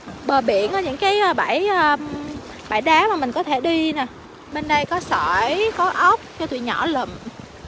bờ biển á những cái bãi bãi đá mà mình có thể đi nè bên đây có sỏi có ốc cho tụi nhỏ lụm